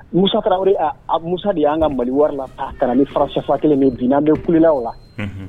Mutaraw musa de y'an ka mali wari la ta kana ni farafa kelen bininaan bɛkunla o la